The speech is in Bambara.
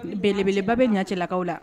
Belebeleba bɛ ɲa cɛlakaw la.